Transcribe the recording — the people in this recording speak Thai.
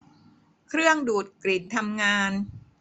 เครื่องดูดกลิ่นทำงาน